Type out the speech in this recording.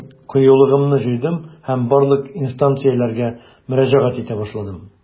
Мин кыюлыгымны җыйдым һәм барлык инстанцияләргә мөрәҗәгать итә башладым.